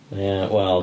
Ia wel...